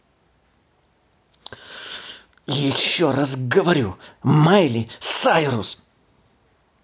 еще раз говорю майли сайрус